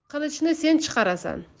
qilichni sen chiqarasan